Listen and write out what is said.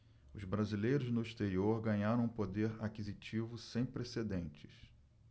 os brasileiros no exterior ganharam um poder aquisitivo sem precedentes